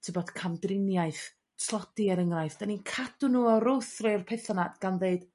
t'bod camdriniaeth tlodi er enghraifft. Dan ni cadw nhw o'r wrth rai o'r petha 'ma gan ddeud